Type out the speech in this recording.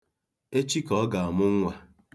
Echi ka ọ ga-aga amụ nwa.